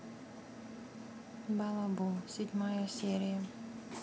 балабол седьмая серия